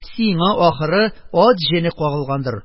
Сиңа, ахры, ат җене кагылгандыр,